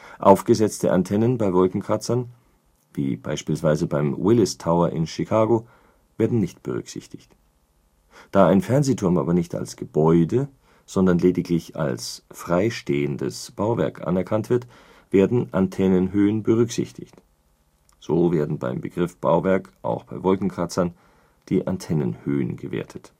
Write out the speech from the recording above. Aufgesetzte Antennen bei Wolkenkratzern, wie beispielsweise beim Willis Tower in Chicago, werden nicht berücksichtigt. Da ein Fernsehturm aber nicht als Gebäude, sondern lediglich als (freistehendes) Bauwerk anerkannt wird, werden Antennenhöhen berücksichtigt (so werden beim Begriff Bauwerk auch bei Wolkenkratzern die Antennenhöhen gewertet